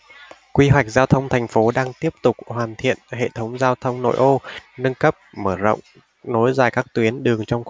quy hoạch giao thông thành phố đang tiếp tục hoàn thiện hệ thống giao thông nội ô nâng cấp mở rộng nối dài các tuyến đường trong